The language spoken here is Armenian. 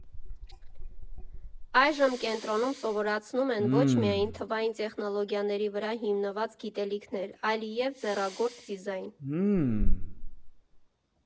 Այժմ կենտրոնում սովորացնում են ոչ միայն թվային տեխնոլոգիաների վրա հիմնված գիտելիքներ, այլև ձեռագործ դիզայն։